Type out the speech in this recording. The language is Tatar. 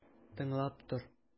Тыңлап тор!